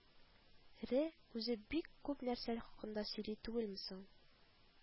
Ре үзе бик күп нәрсә хакында сөйли түгелме соң